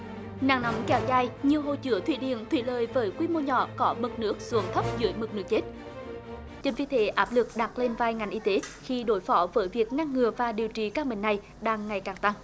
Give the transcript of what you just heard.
nắng nóng kéo dài như hồ chứa thủy điện thủy lợi với quy mô nhỏ cỏ mực nước xuống thấp dưới mực nước chết chính vì thế áp lực đặt lên vai ngành y tế khi đối phó với việc ngăn ngừa và điều trị căn bệnh này đang ngày càng tăng